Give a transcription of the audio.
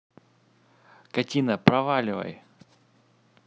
катина проваливай